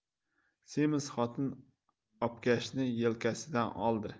semiz xotin obkashni yelkasidan oldi